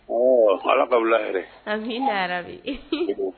Ɔ ala ka wula yɛrɛ an bɛ na bi